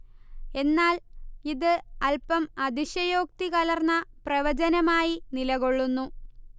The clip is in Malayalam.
എന്നാൽ ഇത് അൽപം അതിശയോക്തി കലർന്ന പ്രവചനമായി നിലകൊള്ളൂന്നു